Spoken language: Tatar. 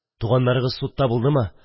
Туганнарыгыз судта булдымы?